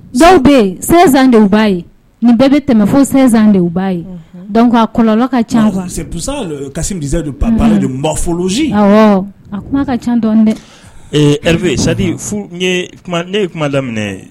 Donc 16 ans de u b'a ye nin bɛɛ bɛ tɛmɛ fɔ 16 ans de u b'a ye donc a kɔlɔlɔ ka caa kuma ka ca donc c'est pour ça que Kasim disait le bambara la morphologie awɔɔ; a kuma ka caa, ee Ɛrwe ne ye kuma daminɛ